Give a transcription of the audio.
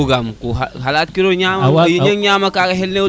bugam xalat kiro ñama ka kaga xel lewo